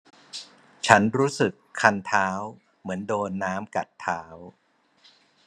ฉันรู้สึกคันเท้าเหมือนโดนน้ำกัดเท้า